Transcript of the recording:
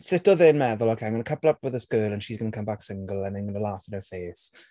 Sut odd e'n meddwl, okay I'm going to couple up with this girl and she's going to come back single, and then I'm going to laugh in her face?